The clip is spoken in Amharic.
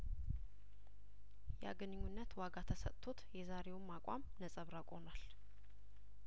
ያግንኙነት ዋጋ ተሰጥቶት የዛሬ ውም አቋም ነጸብራቅ ሆኗል